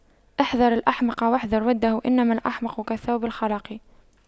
احذر الأحمق واحذر وُدَّهُ إنما الأحمق كالثوب الْخَلَق